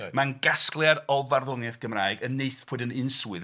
Mae'n gasgliad o farddoniaeth Gymraeg a wnaethpwyd yn unswydd.